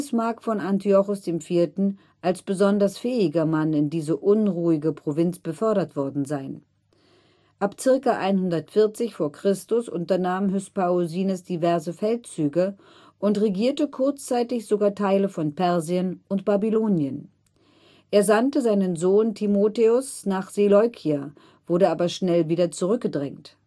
mag von Antiochos IV. als besonders fähiger Mann in diese unruhige Provinz befördert worden sein. Ab ca. 140 v. Chr. unternahm Hyspaosines diverse Feldzüge und regierte kurzzeitig sogar Teile von Persien und Babylonien. Er sandte seinen Sohn Timotheos nach Seleukia, wurde aber schnell wieder zurückgedrängt